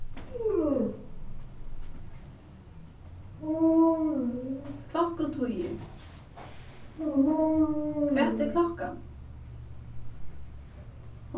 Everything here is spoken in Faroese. klokkutíðir hvat er klokkan